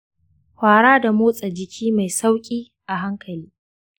fara da motsa-jiki mai sauƙi a hankali